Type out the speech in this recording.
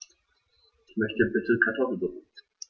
Ich möchte bitte Kartoffelsuppe.